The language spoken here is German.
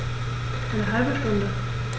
Eine halbe Stunde